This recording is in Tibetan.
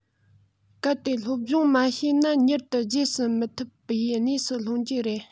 གལ ཏེ སློབ སྦྱོང མ བྱས ན མྱུར དུ རྗེས ཟིན མི ཐུབ པའི གནས སུ ལྷུང རྒྱུ རེད